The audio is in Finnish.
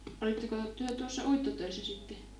olitteko te tuossa uittotöissä sitten